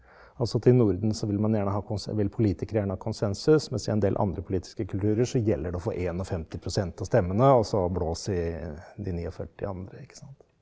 altså til Norden så vil man gjerne ha vil politikere gjerne ha konsensus mens i en del andre politiske kulturer så gjelder det å få 51% av stemmene og så blås i de 49 andre ikke sant.